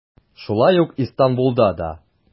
Шулай ук Истанбулда да.